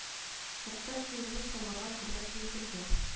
Хәтта сыерны саварга теләк белдерде